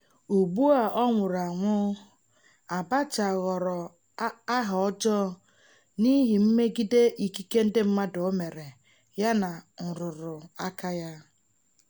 Ugbu a ọ nwụrụ anwụ, Abacha ghọrọ aha ọjọọ n'ihi mmegide ikike ndị mmadụ o mere yana nrụrụ aka ya.